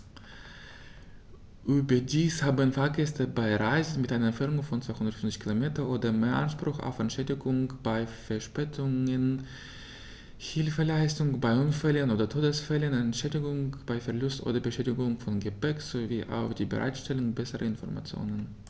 Überdies haben Fahrgäste bei Reisen mit einer Entfernung von 250 km oder mehr Anspruch auf Entschädigung bei Verspätungen, Hilfeleistung bei Unfällen oder Todesfällen, Entschädigung bei Verlust oder Beschädigung von Gepäck, sowie auf die Bereitstellung besserer Informationen.